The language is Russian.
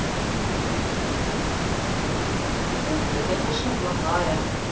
ух ты конечно плохая